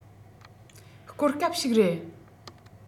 གོ སྐབས ཤིག རེད